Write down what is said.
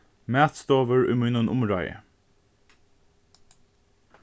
matstovur í mínum umráði